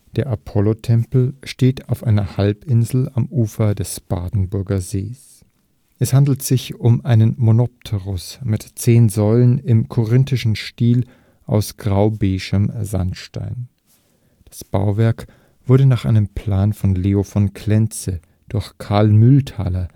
Der Apollotempel steht auf einer Halbinsel am Ufer des Badenburger Sees. Es handelt sich um einen Monopteros mit zehn Säulen im korinthischen Stil aus grau-beigem Sandstein. Das Bauwerk wurde nach einem Plan von Leo von Klenze durch Carl Mühlthaler